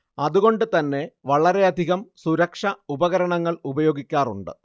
അതുകൊണ്ട് തന്നെ വളരെയധികം സുരക്ഷ ഉപകരണങ്ങൾ ഉപയോഗിക്കാറുണ്ട്